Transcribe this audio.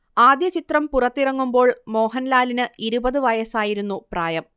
ആദ്യ ചിത്രം പുറത്തിറങ്ങുമ്പോൾ മോഹൻലാലിന് ഇരുപത് വയസ്സായിരുന്നു പ്രായം